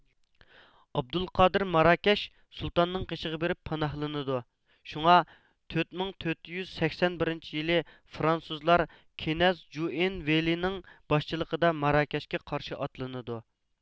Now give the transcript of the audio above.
ئابدۇل قادىر ماراكەش سۇلتانىنىڭ قېشىغا بېرىپ پاناھلىنىدۇ شۇڭا تۆت مىڭ تۆت يۈز سەكسەن بىرىنچى يىلى فرانسۇزلار كېنەز جوئىنۋىلېنىڭ باشچىلىقىدا ماراكەشكە قارشى ئاتلىنىدۇ